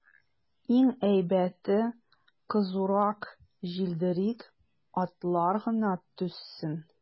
Иң әйбәте, кызурак җилдерик, атлар гына түзсен.